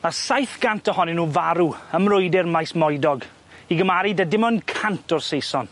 Nath saith gant ohonyn nw farw ym mrwydyr maes Moedog i gymaru 'dy dim ond cant o'r Saeson.